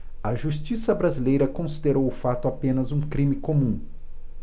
a justiça brasileira considerou o fato apenas um crime comum